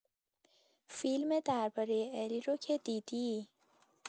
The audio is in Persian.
فیلم دربارۀ الی رو که دیدی؟